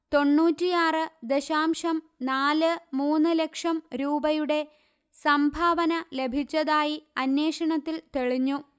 തൊണ്ണൂറ്റിയാറ് ദശാംശം നാൽ മൂന്ന്ലക്ഷം രൂപയുടെ സംഭാവന ലഭിച്ചതായി അന്വേഷണത്തിൽ തെളിഞ്ഞു